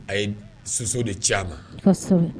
A ye soso de ci ma